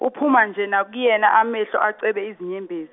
uphuma nje nakuyena amehlo acwebe izinyembez-.